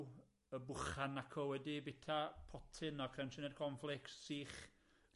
...y bwchan aco wedi byta potyn o crunchy nut cornflakes sych